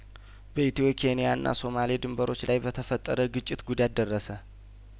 በኢትዮ ኬንያና ሶማሌ ድንበሮች ላይ በተፈጠረ ግጭት ጉዳት ደረሰ